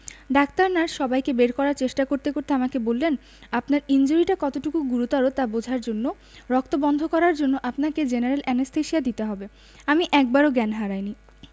doctor nurse সবাইকে বের করার চেষ্টা করতে করতে আমাকে বললেন আপনার ইনজুরিটা কতটুকু গুরুতর বোঝার জন্য রক্ত বন্ধ করার জন্য আপনাকে জেনারেল অ্যানেসথেসিয়া দিতে হবে আমি একবারও জ্ঞান হারাইনি